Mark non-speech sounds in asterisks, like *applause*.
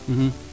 *hesitation* *hesitation*